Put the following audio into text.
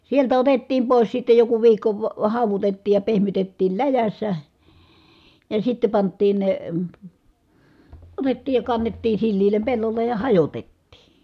sieltä otettiin pois sitten joku viikko - haudutettiin ja pehmitettiin läjässä ja sitten pantiin ne otettiin ja kannettiin sileälle pellolle ja hajotettiin